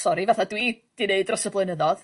sori fatha dw i 'di neud dros y blynyddodd...